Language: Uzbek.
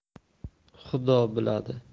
xudo biladi